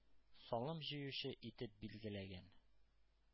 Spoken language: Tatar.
Салым җыючы итеп билгеләгән.